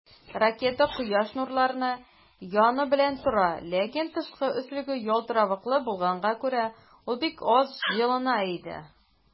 Ракета Кояш нурларына яны белән тора, ләкин тышкы өслеге ялтыравыклы булганга күрә, ул бик аз җылына иде.